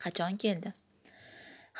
qachon keldi